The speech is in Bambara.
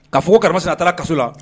Kaa fɔkarama se a taara kaso la